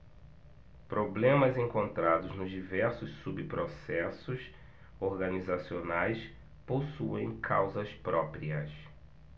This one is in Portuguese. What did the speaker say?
problemas encontrados nos diversos subprocessos organizacionais possuem causas próprias